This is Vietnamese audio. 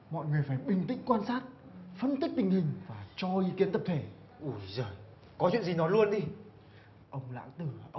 mọi người phải bình tĩnh quan sát phân tích tình hình và cho ý kiến tập thể ui dời có chuyện gì nói luôn đi ông lãng tử ông ấy